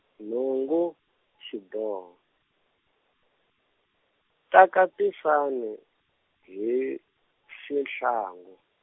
nhungu, xiboho, takatisani hi, xihlangu.